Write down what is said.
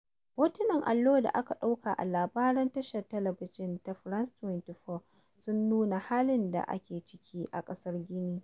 Hotonan allo da aka ɗauka a labaran tashar talabijin ta France 24 sun nuna halin da ake ciki a ƙasar Gini.